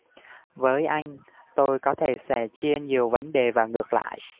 với anh tôi có thể sẻ chia nhiều vấn đề và ngược lại